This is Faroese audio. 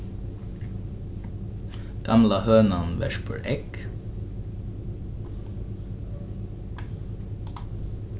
gamla hønan verpur egg